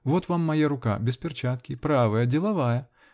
Вот вам моя рука, без перчатки, правая, деловая.